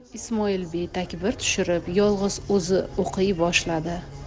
ismoilbey takbir tushirib yolg'iz o'zi o'qiy boshladi